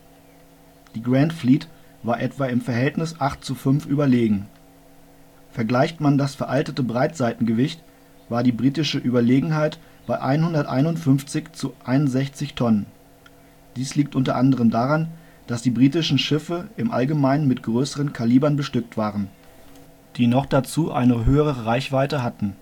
Grand Fleet war etwa im Verhältnis 8:5 überlegen. Vergleicht man das veraltete Breitseitengewicht, war die britische " Überlegenheit " bei 151 zu 61 Tonnen. Dies liegt unter anderem daran, dass die britischen Schiffe im Allgemeinen mit größeren Kalibern bestückt waren, die noch dazu eine höhere Reichweite hatten